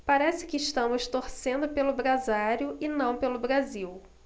parece que estamos torcendo pelo brasário e não pelo brasil